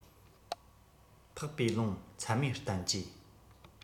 འཕགས པའི ལུང ཚད མའི བསྟན བཅོས